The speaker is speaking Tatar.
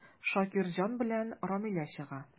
Шакирҗан белән Рамилә чыга.